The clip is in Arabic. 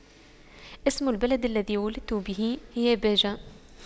اسم البلد الذي ولدت به هي باجة